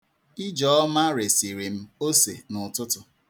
Ijeoma resiri m ose n'ụtụtụ.